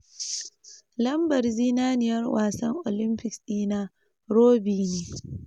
Lambar zinariyar wasar Olympics dina Robbie ne.”